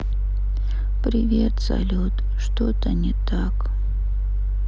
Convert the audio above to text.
привет салют что то не так